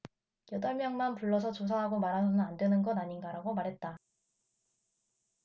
여덟 명만 불러서 조사하고 말아서는 안되는 것 아닌가라고 말했다